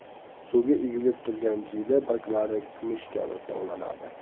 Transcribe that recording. suvga egilib turgan jiyda barglari kumush kabi tovlanadi